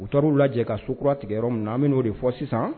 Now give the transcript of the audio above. U taara u lajɛ ka su kura tigɛ yɔrɔ min na an minnu'o de fɔ sisan